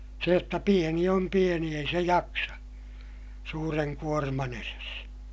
se jotta pieni on pieni ei se jaksa suuren kuorman edessä